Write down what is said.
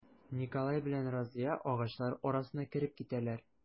Николай белән Разия агачлар арасына кереп китәләр.